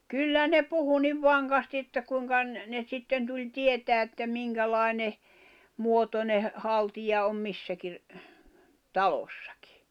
kyllä ne puhui niin vankasti että kuinka - ne sitten tuli tietämään että minkälainen muotoinen haltia on missäkin talossakin